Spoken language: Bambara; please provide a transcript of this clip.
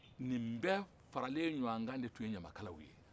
nin bɛɛ faralen ɲɔgɔn kan de tun ye ɲamakalaw ye